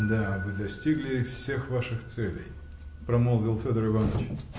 -- Да, вы достигли всех ваших целей, -- промолвил Федор Иваныч.